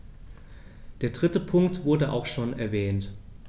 Der dritte Punkt wurde auch schon erwähnt.